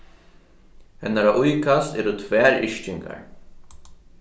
hennara íkast eru tvær yrkingar